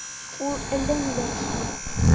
Ул әллә ниләр эшли...